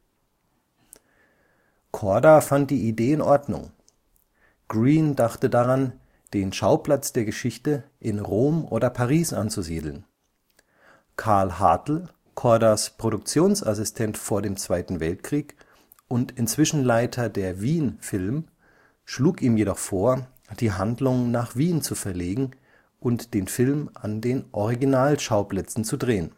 Korda fand die Idee in Ordnung. Greene dachte daran, den Schauplatz der Geschichte in Rom oder Paris anzusiedeln. Karl Hartl, Kordas Produktionsassistent vor dem Zweiten Weltkrieg und inzwischen Leiter der Wien-Film, schlug ihm jedoch vor, die Handlung nach Wien zu verlegen und den Film an den Originalschauplätzen zu drehen